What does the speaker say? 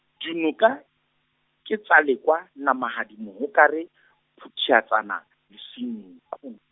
dinoka, ke tsa Lekoa, Namahadi Mohokare , Phuthiatsana, le Senqu.